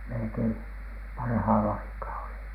melkein parhaalla aikaa oli